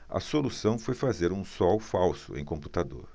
a solução foi fazer um sol falso em computador